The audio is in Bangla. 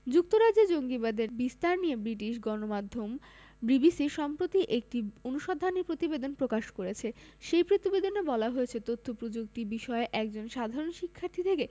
যুক্তরাজ্যে জঙ্গিবাদের বিস্তার নিয়ে ব্রিটিশ সংবাদমাধ্যম বিবিসি সম্প্রতি একটি অনুসন্ধানী প্রতিবেদন প্রকাশ করেছে সেই প্রতিবেদনে বলা হয়েছে তথ্যপ্রযুক্তি বিষয়ের একজন সাধারণ শিক্ষার্থী থেকে